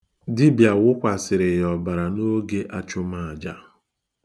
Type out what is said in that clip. Dibịa wụkwasịrị ya ọbara n'oge achụmaja.